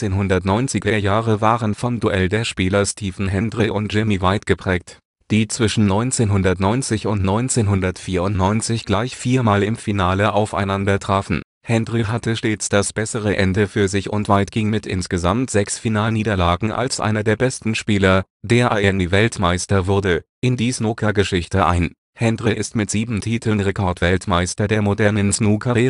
1990er-Jahre waren vom Duell der Spieler Stephen Hendry und Jimmy White geprägt, die zwischen 1990 und 1994 gleich viermal im Finale aufeinandertrafen. Hendry hatte stets das bessere Ende für sich und White ging mit insgesamt sechs Finalniederlagen als einer der besten Spieler, der aber nie Weltmeister wurde, in die Snookergeschichte ein. Hendry ist mit sieben Titeln Rekordweltmeister der modernen Snooker-Ära